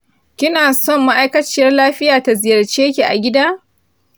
kina son ma'aikaciyar lafiya ta ziyarce ki a gida?